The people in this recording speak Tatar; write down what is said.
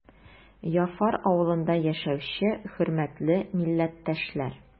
Яфар авылында яшәүче хөрмәтле милләттәшләр!